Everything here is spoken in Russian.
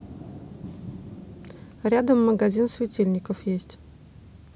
рядом магазин светильников есть